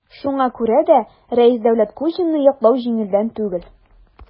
Шуңа күрә дә Рәис Дәүләткуҗинны яклау җиңелдән түгел.